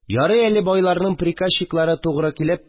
Ярый әле, байларның приказчиклары тугры килеп